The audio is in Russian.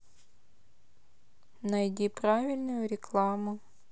найди правильную рекламу